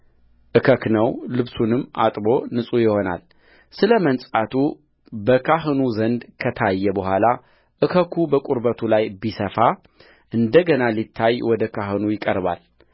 እከክ ነው ልብሱንም አጥቦ ንጹሕ ይሆናልስለ መንጻቱ በካህኑ ዘንድ ከታየ በኋላ እከኩ በቁርበቱ ላይ ቢሰፋ እንደ ገና ሊታይ ወደ ካህኑ ይቀርባል